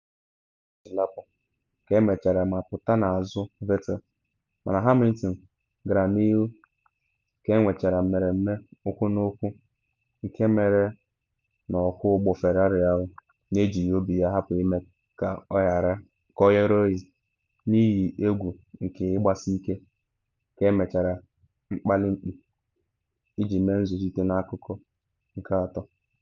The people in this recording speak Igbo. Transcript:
Mercedes ahụ banyere na pit otu lapụ ka emechara ma pụta n’azụ Vettel, mana Hamilton gara n’ihu ka enwechara mmereme ụkwụ-na-ụkwụ nke mere na ọkwọ ụgbọ Ferrari ahụ n’ejighi obi ya hapụ ime ka o ghere oghe n’ihi egwu nke ịgbasi ike ka emechara mkpali-mkpị iji mee nzọchite n’akụkụ nke atọ.